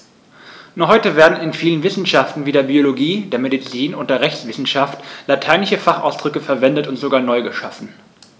Noch heute werden in vielen Wissenschaften wie der Biologie, der Medizin und der Rechtswissenschaft lateinische Fachausdrücke verwendet und sogar neu geschaffen.